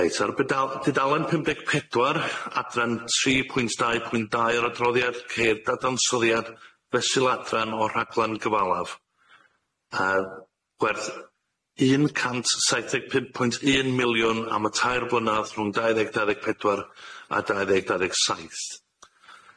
Reit ar bedal- dudalen pum deg pedwar, adran tri pwynt dau pwynt dau o'r adroddiad ceir dadansoddiad fesul adran o'r rhaglen gyfalaf yy gwerth un cant saith deg pump pwynt un miliwn am y tair blynadd rhwng dau ddeg dau ddeg pedwar a dau ddeg dau ddeg saith.